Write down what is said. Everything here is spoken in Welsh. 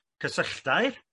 cysylltair